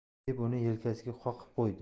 deb uni yelkasiga qoqib qo'ydi